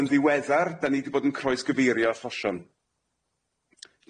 Yn ddiweddar dan ni di bod yn croesgyfeirio allosion.